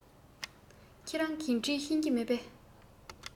ཁྱེད རང གིས འབྲི ཤེས ཀྱི མེད པས